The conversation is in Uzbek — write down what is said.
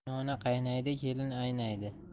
qaynona qaynaydi kelin aynaydi